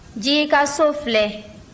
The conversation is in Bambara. jigi ka so filɛ